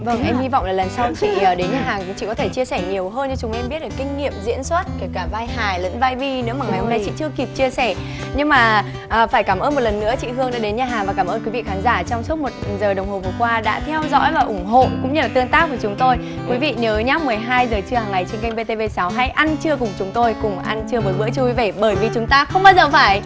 vầng em hy vọng là lần sau chị đến nhà hàng chị có thể chia sẻ nhiều hơn cho chúng em biết được kinh nghiệm diễn xuất kể cả vai hài lẫn vai vi nếu mà ngày hôm nay chị chưa kịp chia sẻ nhưng mà phải cảm ơn một lần nữa chị hương đã đến nhà hàng và cảm ơn quý vị khán giả trong suốt một giờ đồng hồ vừa qua đã theo dõi và ủng hộ cũng như là tương tác với chúng tôi quý vị nhớ nhá mười hai giờ trưa hàng ngày trên kênh vê tê vê sáu hãy ăn trưa cùng chúng tôi cùng ăn trưa với bữa trưa vui vẻ bởi vì chúng ta không bao giờ phải